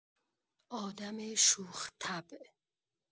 آدم شوخ‌طبع